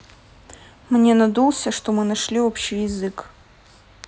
мне надулся что мы нашли общий язык